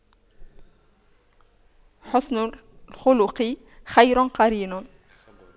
حُسْنُ الخلق خير قرين